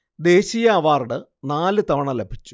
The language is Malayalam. ദേശീയ അവാര്‍ഡ് നാലു തവണ ലഭിച്ചു